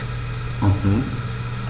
Und nun?